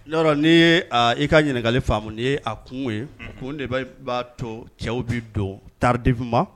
N' n'i i ka ɲininkagali faamumu' ye a kun ye o kun de b'a to cɛw bɛ don tari difin ma